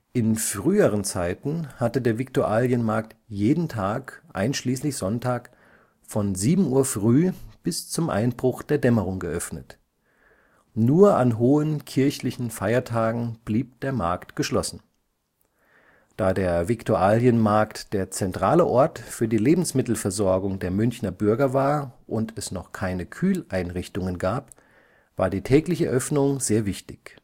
In früheren Zeiten hatte der Viktualienmarkt jeden Tag (einschließlich Sonntag) von 7 Uhr früh bis zum Einbruch der Dämmerung geöffnet. Nur an hohen kirchlichen Feiertagen blieb der Markt geschlossen. Da der Viktualienmarkt der zentrale Ort für die Lebensmittelversorgung der Münchner Bürger war und es noch keine Kühleinrichtungen gab, war die tägliche Öffnung sehr wichtig